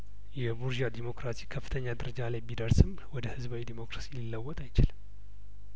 የቡርዧ ዴሞክራሲ ከፍተኛ ደረጃ ላይ ቢደርስም ወደ ህዝባዊ ዴሞክራሲ ሊለወጥ አይችልም